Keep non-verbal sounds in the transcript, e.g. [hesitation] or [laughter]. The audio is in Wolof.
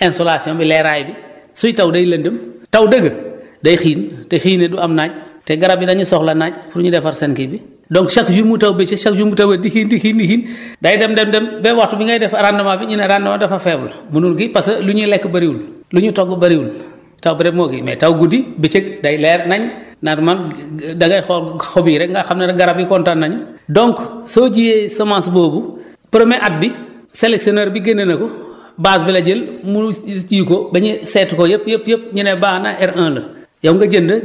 installation bi leeraay bi suy taw day lëndëm taw dëgg day xiir te xiinee du am naaj te garab yi dañuy soxla naaj pour ñu defar seen kii bi donc chaque jour mu taw bëccëg chaque jour mu taw di xiin di xiin di xiin [breath] day dem dem dem ba waxtu bi ngay def rendement bi ñu ne daal non dafa faible mënul kii parce que lu ñuy lekk bëriwul lu ñuy togg bëriwul taw bi rek moo kii mais taw guddi bëccëg day leer naññ ndax man [hesitation] da ngay xool xob yi rek nga xam ne garab yi kontaan nañu donc soo jiyee semence boobu première at bi selectionneur génneel la ko base bi la jël mu [hesitation] kii ko ba ñu sytu ko yëpp yëpp ñu ne baax na R1 la